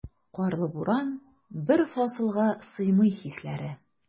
Карлы буран, бер фасылга сыймый хисләре.